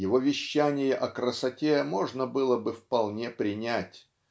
его вещания о красоте можно было бы вполне принять.